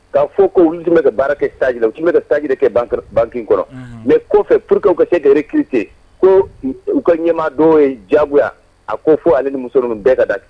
Ka fɔ ko wuli tun bɛ ka baara kɛ taji la u tun bɛ tajira kɛ ban kɔnɔ mɛ kɔfɛ p walasaur que ka sere kite ko u ka ɲɛmaa dɔw ye jagoya a ko fɔ ani musosonin ninnu bɛɛ ka da